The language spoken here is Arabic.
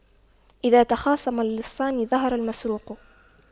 إذا تخاصم اللصان ظهر المسروق